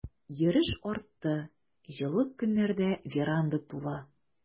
Йөреш артты, җылы көннәрдә веранда тулы.